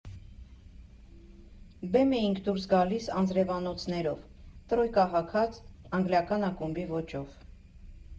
Բեմ էինք դուրս գալիս անձրևանոցներով, «տռոյկա» հագած՝ անգլիական ակումբի ոճով։